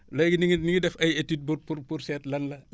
léegi ñu ngi ñu ngi def ay études pour pour seet lan la